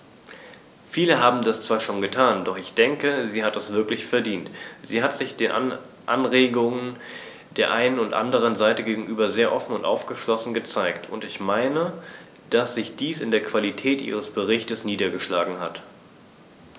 Viele haben das zwar schon getan, doch ich denke, sie hat es wirklich verdient, denn sie hat sich Anregungen der einen und anderen Seite gegenüber sehr offen und aufgeschlossen gezeigt, und ich meine, dass sich dies in der Qualität ihres Berichts niedergeschlagen hat.